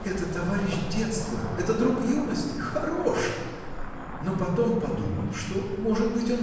Это товарищ детства, это друг юности! хорош! Но потом подумал что может быть